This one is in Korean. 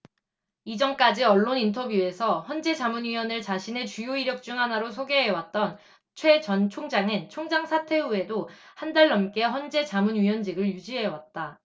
이전까지 언론 인터뷰에서 헌재 자문위원을 자신의 주요 이력 중 하나로 소개해왔던 최 전 총장은 총장 사퇴 후에도 한달 넘게 헌재 자문위원직을 유지해왔다